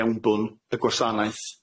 mewnbwn y gwasanaeth